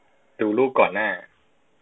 ดูรูปก่อนหน้า